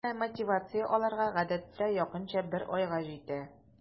Әмма мотивация аларга гадәттә якынча бер айга җитә.